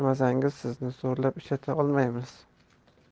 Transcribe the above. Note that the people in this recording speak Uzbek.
o'zingiz istamasangiz sizni zo'rlab ishlata olmaymiz